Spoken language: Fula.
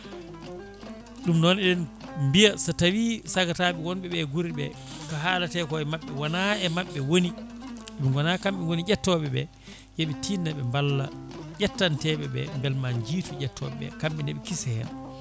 ɗum noon eɗɗen mbiya so tawi sagataɓe wonɓeɓe e guure ɗe ko haalate ko e mabɓe woona e mabɓe woni ɗum wona kamɓe gooni ƴettoɓeɓe yooɓe tinno ɓe mballa ƴettanteɓe ɓe beela ma jiitu ƴettoɓeɓe kamɓene ɓe kiisa hen